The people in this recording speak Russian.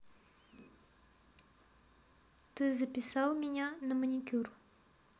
ты записал меня на маникюр